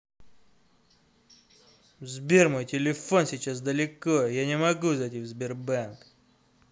сбер мой телефон сейчас далеко я не могу зайти в сбербанк